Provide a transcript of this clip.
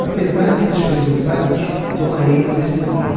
apesar desses resultados tomarei uma decisão